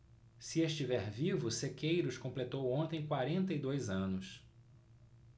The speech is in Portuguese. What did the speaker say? se estiver vivo sequeiros completou ontem quarenta e dois anos